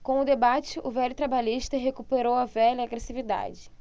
com o debate o velho trabalhista recuperou a velha agressividade